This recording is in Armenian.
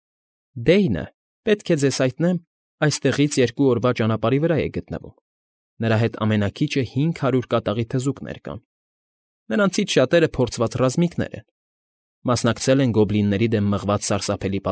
Դեյնը, պետք է ձեզ հայտնեմ, այստեղից երկու օրվա ճանապարհի վրա է գտնվում, նրա հետ ամենաքիչը հինգ հարյուր կատաղի թզուկներ կան. նրանցից շատերը փորձված ռազմիկներ են, մասնակցել են գոբլինների դեմ մղած սարսափելի։